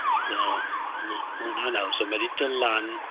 So, ma hwnna nawr... so, ma' 'di dod lan.